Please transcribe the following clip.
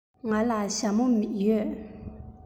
ང ལ ཞྭ མོ ཡོད